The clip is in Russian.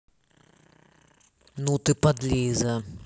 ну ты подлиза